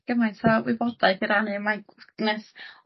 ...gymaint o wybodaeth i rannu mae neis